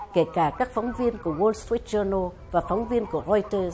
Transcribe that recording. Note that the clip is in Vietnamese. kể cả các phóng viên của ua trít gioi nô và phóng viên của roi tơ